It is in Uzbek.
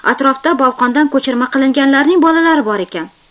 atrofda bolqondan ko'chirma qilinganlarning bolalari bor ekan